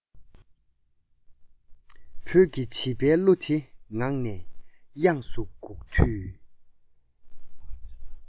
བོད ཀྱི བྱིས གླུ དེ ངག ནས དབྱངས སུ འགུགས དུས